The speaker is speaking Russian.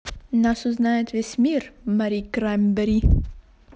нас узнает весь мир мари краймбери